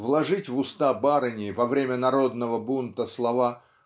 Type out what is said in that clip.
вложить в уста барыни, во время народного бунта, слова